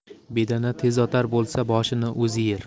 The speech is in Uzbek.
bedana tezotar bo'lsa o'z boshini o'zi yer